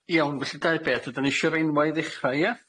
Iawn, felly dau beth. Ydan ni isio'r enwa' i ddechra, ia?